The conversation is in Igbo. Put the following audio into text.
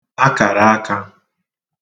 akàràaka